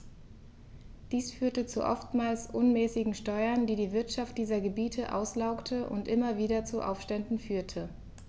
Dies führte zu oftmals unmäßigen Steuern, die die Wirtschaft dieser Gebiete auslaugte und immer wieder zu Aufständen führte.